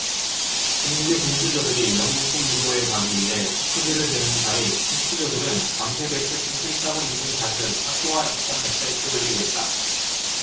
중국의 금수저들이 영국풍 무도회에 가기 위해 포크질을 배우는 사이 흑수저들은 밤새 베껴 쓴 필사본 인증샷을 학교와 직장 웹사이트에 올리고 있다